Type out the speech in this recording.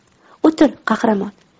o'tir qahramon